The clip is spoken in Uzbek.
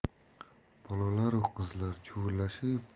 bolalaru qizlar chuvillashib